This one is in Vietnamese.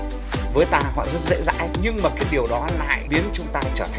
với ta họ rất dễ dãi nhưng mà kế điều đó lại biến chúng ta trở